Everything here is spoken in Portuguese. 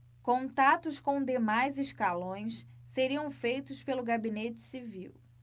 contatos com demais escalões seriam feitos pelo gabinete civil